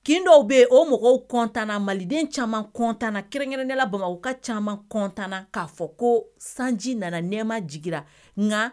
Kinin dɔw bɛ yen o mɔgɔw kɔntanana maliden caman kɔntanana kerɛn-kɛ nela bama ka caman kɔntana k'a fɔ ko sanji nana nɛma jiginra nka